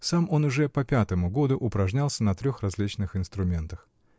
сам он уже по пятому году упражнялся на трех различных инструментах.